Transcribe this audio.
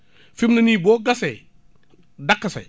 fii mu ne nii boo gasee dakase